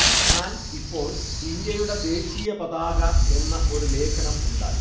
ഞാൻ ഇപ്പോൾ ഇന്ത്യയുടെ ദേശീയപതാക എന്ന ഒരു ലേഖനം ഉണ്ടാക്കി